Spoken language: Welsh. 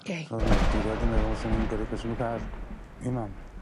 Gei. Oeddwn... Dwi rioed 'di meddwl fyswn i'n gyrru Christma card i mam.